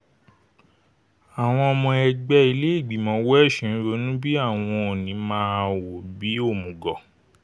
Àwọn ϙmϙ ẹgbẹ́ ilé ìgbìmọ̀ Welsh ń rọ́rùn bí àwọn ‘ò ní máa wo bíi òmὺgọ̀’